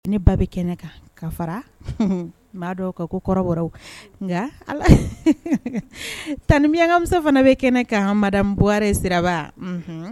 Ne ba bɛ kɛnɛ kan ka fara n b'a dɔn ka ko kɔrɔbɔw nka tan ni miyanmuso fana bɛ kɛnɛ ka ha buwarɛ sira